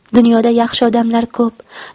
dunyoda yaxshi odamlar ko'p